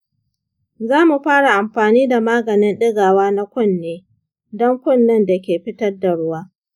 zamu fara amfani da maganin ɗigawa na kunne don kunnen da ke fitar da ruwa.